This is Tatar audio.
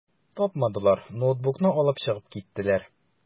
Тапмадылар, ноутбукны алып чыгып киттеләр.